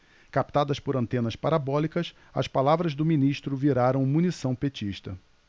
captadas por antenas parabólicas as palavras do ministro viraram munição petista